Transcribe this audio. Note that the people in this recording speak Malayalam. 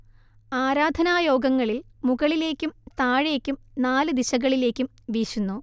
ആരാധനായോഗങ്ങളിൽ മുകളിലേക്കും താഴേയ്ക്കും നാല് ദിശകളിലേക്കും വീശുന്നു